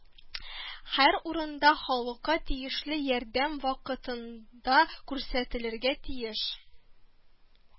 Һәр урында халыкка тиешле ярдәм вакытында күрсәтелергә тиеш